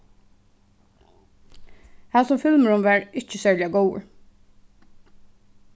hasin filmurin var ikki serliga góður